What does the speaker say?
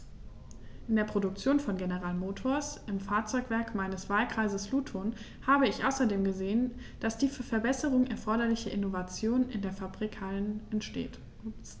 In der Produktion von General Motors, im Fahrzeugwerk meines Wahlkreises Luton, habe ich außerdem gesehen, dass die für Verbesserungen erforderliche Innovation in den Fabrikhallen entsteht.